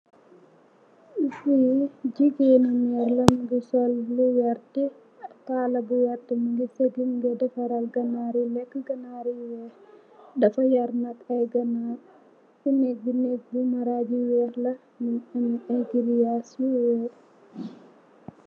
Fu jigeen meer mogi sol lu werta kala bu werta mogi sega lun den defare ganari leeka ganar yu weex dafa yaar ay ganar si neeg bi neeg bi marag bu weex mogi am geryaas bu weex.